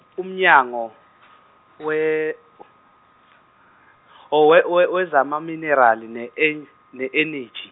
uMnyango we-, o- we we- wezamaMinerali ne- en-, ne- Energy.